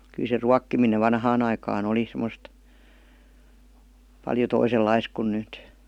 kyllä se ruokkiminen vanhaan aikaan oli semmoista paljon toisenlaista kuin nyt